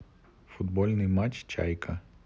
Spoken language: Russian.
футбольный матч чайка